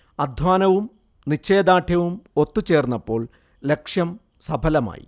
അധ്വാനവും നിശ്ചയദാർഢ്യവും ഒത്തു ചേർന്നപ്പോൾ ലക്ഷ്യം സഫലമായി